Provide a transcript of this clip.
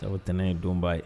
Sabu tɛnɛn ye don'a ye